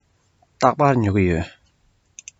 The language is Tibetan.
རྟག པར ཉོ གི ཡོད